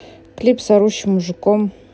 клип с орущим мужиком